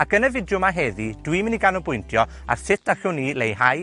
Ac yn y fideo 'ma heddi, dwi myn' i ganolbwyntio ar sut allwn ni leihau